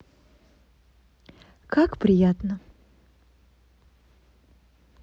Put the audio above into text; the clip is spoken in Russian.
как приятно